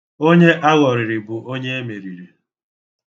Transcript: Onye aghọrịrị bụ onye e miriri.